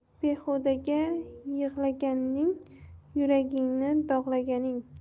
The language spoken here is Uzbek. behudaga yig'laganing yuragingni dog'laganing